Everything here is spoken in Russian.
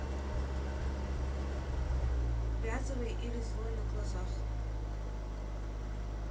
вязовый или злой на глазах